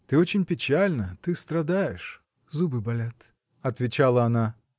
— Ты очень печальна: ты страдаешь! — Зубы болят. — отвечала она.